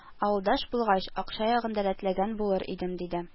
Авылдаш булгач, акча ягын да рәтләгән булыр идем, диде